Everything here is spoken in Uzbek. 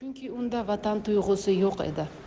chunki unda vatan tuyg'usi yo'q edi